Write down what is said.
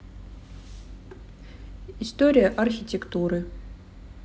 история архитектуры